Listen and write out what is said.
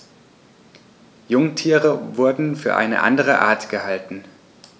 Jungtiere wurden für eine andere Art gehalten.